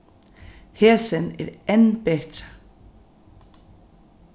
hesin er enn betri